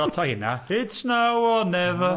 It's now or never.